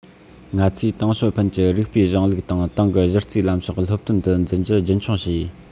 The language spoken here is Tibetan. ང ཚོས ཏེང ཞའོ ཕིན གྱི རིགས པའི གཞུང ལུགས དང ཏང གི གཞི རྩའི ལམ ཕྱོགས སློབ སྟོན དུ འཛིན རྒྱུ རྒྱུན འཁྱོངས བྱས